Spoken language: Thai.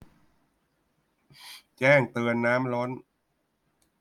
แจ้งเตือนน้ำล้น